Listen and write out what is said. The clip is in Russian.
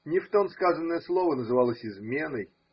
Не в тон сказанное слово называлось изменой.